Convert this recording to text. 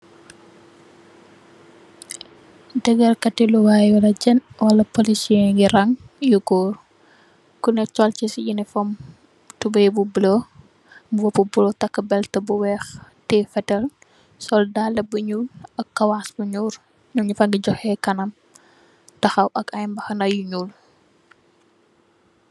Jagal kati luwaa, wala pëliis yaa ngi rang yu goor. Ku nék sol sa yunifom, sol tuboy bu bulo, mbubu bu bulo, takkë belto bu weex tiye feetal, sol dallë bu ñuul, kawaas bu weex. Ñu ngi fa di joxee kanam, taxaw ak ay mbaxana yu ñuul.